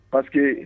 Parce que